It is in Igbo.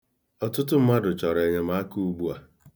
Ọtụtụ mmadụ chọrọ enyemaka ugbua.